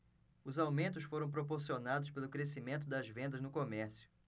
os aumentos foram proporcionados pelo crescimento das vendas no comércio